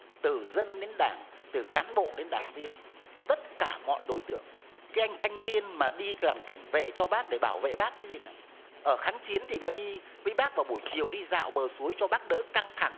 từ dân đến đảng từ cán bộ đến đảng viên tất cả mọi đối tượng cái anh thanh niên mà đi làm cảnh vệ cho bác để bảo vệ bác cái gì mà ở kháng chiến thì đã đi viếng bác vào buổi chiều đi dạo bờ suối cho bác đỡ căng thẳng